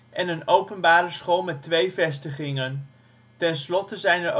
en een openbare school met twee vestigingen. Tenslotte zijn